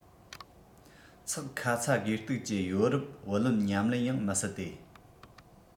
ཚེག ཁ ཚ དགོས གཏུགས ཀྱི ཡོ རོབ ཀྱི བུ ལོན ཉམས ཉེན ཡང མི སྲིད དེ